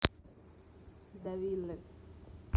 da'ville